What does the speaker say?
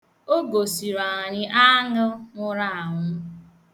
O gosiri anyị aṅụ nwụrụ anwụ.